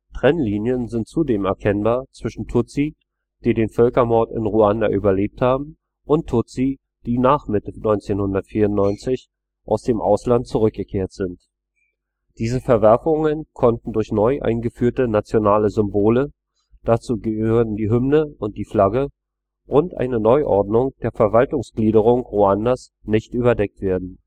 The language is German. Trennlinien sind zudem erkennbar zwischen Tutsi, die den Völkermord in Ruanda überlebt haben, und Tutsi, die nach Mitte 1994 aus dem Ausland zurückgekehrt sind. Diese Verwerfungen konnten durch neu eingeführte nationale Symbole – dazu gehören die Hymne und die Flagge – und eine Neuordnung der Verwaltungsgliederung Ruandas nicht überdeckt werden